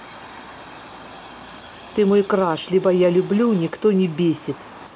ты мой краш либо я люблю никто не бесит